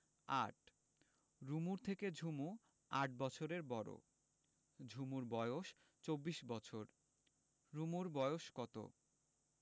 ৮ রুমুর থেকে ঝুমু ৮ বছরের বড় ঝুমুর বয়স ২৪ বছর রুমুর বয়স কত